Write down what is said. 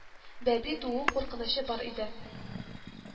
Бәби туу куркынычы бар иде